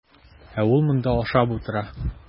Ә ул монда ашап утыра.